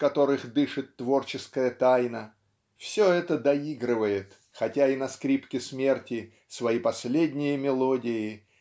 в которых дышит творческая тайна -- все это доигрывает хотя и на скрипке смерти свои последние мелодии